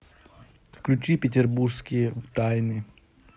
включи петербургские тайны